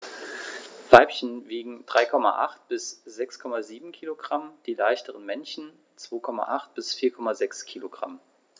Weibchen wiegen 3,8 bis 6,7 kg, die leichteren Männchen 2,8 bis 4,6 kg.